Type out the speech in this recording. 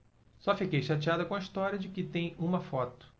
só fiquei chateada com a história de que tem uma foto